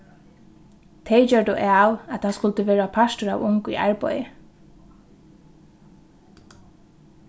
tey gjørdu av at tað skuldi vera partur av ung í arbeiði